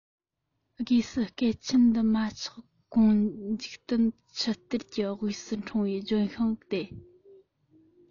སྒོས སུ སྐལ ཆེན འདི མ ཆགས གོང འཇིག རྟེན ཆུ གཏེར གྱི དབུས ན འཁྲུངས པའི ལྗོན ཤིང དེ དང